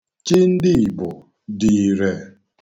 Chi ndị Igbo dị irè.